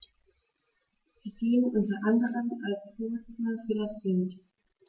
Sie dienen unter anderem als Ruhezonen für das Wild.